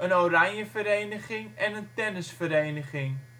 oranjevereniging en een tennisvereniging